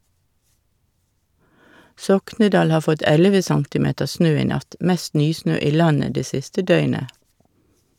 Soknedal har fått elleve centimeter snø i natt, mest nysnø i landet det siste døgnet.